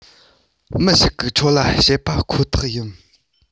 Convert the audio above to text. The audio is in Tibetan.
མི ཞིག གིས ཁྱོད ལ བཤད པ ཁོ ཐག ཡིན